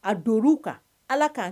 A don kan ala ka